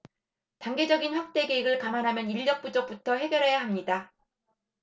단계적인 확대 계획을 감안하면 인력 부족부터 해결해야 합니다